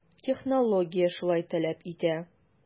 Технология шулай таләп итә.